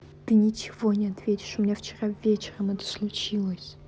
ты ничего не ответишь у меня вчера вечером это случилось